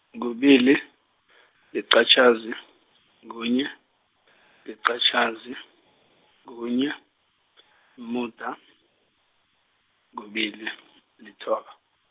kubili, liqatjhazi, kunye, liqatjhazi, kunye, umuda, kubili, lithoba.